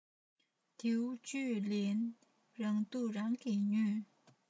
རྡེའུ བཅུད ལེན རང སྡུག རང གིས ཉོས